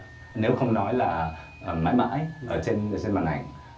nếu không nói là ờ mãi mãi ở trên ở trên màn ảnh